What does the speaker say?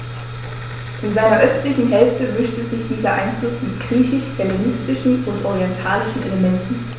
In seiner östlichen Hälfte mischte sich dieser Einfluss mit griechisch-hellenistischen und orientalischen Elementen.